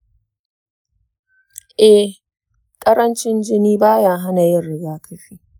eh, ƙarancin jini ba ya hana yin rigakafi.